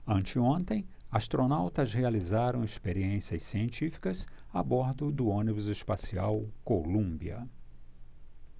anteontem astronautas realizaram experiências científicas a bordo do ônibus espacial columbia